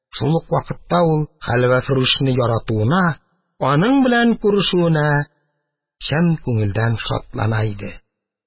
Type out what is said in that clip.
Шул ук вакытта ул хәлвәфрүшне яратуына, аның белән күрешүенә чын күңелдән шатлана иде.